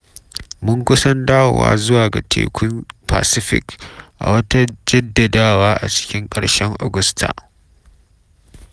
“Mun kusan dawowa zuwa ga Tekun Pacific,” a wata jaddadawa a cikin ƙarshen Agusta.